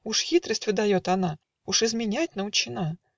Уж хитрость ведает она, Уж изменять научена!